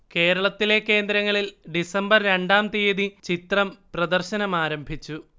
കേരളത്തിലെ കേന്ദ്രങ്ങളിൽ ഡിസംബർ രണ്ടാം തീയതി ചിത്രം പ്രദർശനമാരംഭിച്ചു